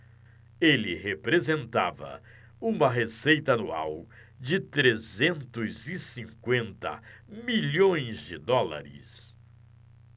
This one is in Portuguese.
ele representava uma receita anual de trezentos e cinquenta milhões de dólares